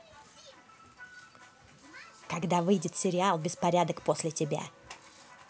когда выйдет сериал беспорядок после тебя